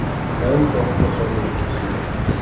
yarim soatga qolmay yetib keldi